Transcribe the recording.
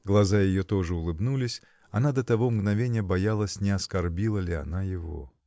глаза ее тоже улыбнулись, -- она до того мгновенья боялась, не оскорбила ли она его.